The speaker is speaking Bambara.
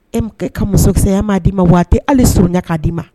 Emkɛ ka musokisɛya m'a d'i ma wa a te hali suruɲa k'a d'i ma